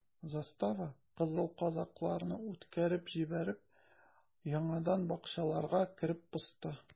Застава, кызыл казакларны үткәреп җибәреп, яңадан бакчаларга кереп посты.